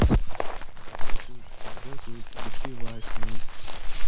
я в джакузи я в джакузи допиваю смузи